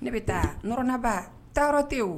Ne bɛ taa nɔrɔnaba tɔɔrɔ tɛ o